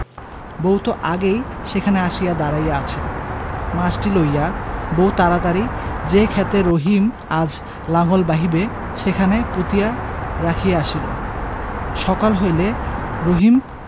বউ তো আগেই সেখানে আসিয়া দাঁড়াইয়া আছে মাছটি লইয়া বউ তাড়াতাড়ি যে ক্ষেতে রহিম আজ লাঙল বাহিবে সেখানে পুঁতিয়া রাখিয়া আসিল সকাল হইলে রহিম